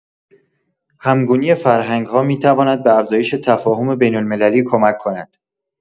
همگونی فرهنگ‌ها می‌تواند به افزایش تفاهم بین‌المللی کمک کند.